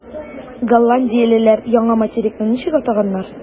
Голландиялеләр яңа материкны ничек атаганнар?